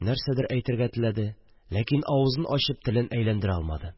Нәрсәдер әйтергә теләде, ләкин авызын ачып телен әйләндерә алмады